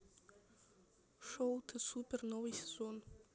шоу ты супер новый сезон